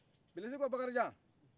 bilisi ko bakarijan